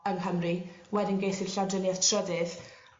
yng Nghymru wedyn ges i'r llawdrinieth trydydd